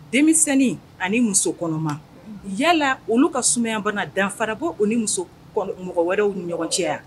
Denmisɛnninni ani muso kɔnɔma yalala olu ka sumayayabana danfarabɔ o ni muso mɔgɔ wɛrɛw ɲɔgɔn cɛ